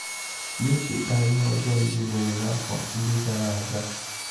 Na-echeta ihe ọjọọ ndị mere n'afọ ndị gara aga